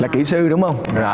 là kỹ sư đúng không